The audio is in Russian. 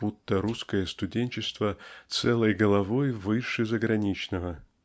будто русское студенчество целой головой выше заграничного.